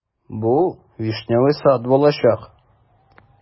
Бу "Вишневый сад" булачак.